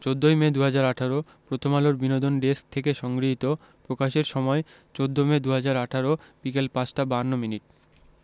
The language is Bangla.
১৪ই মে ২০১৮ প্রথমআলোর বিনোদন ডেস্কথেকে সংগ্রহীত প্রকাশের সময় ১৪মে ২০১৮ বিকেল ৫টা ৫২ মিনিট